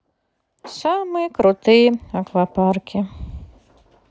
самые крутые аквапарки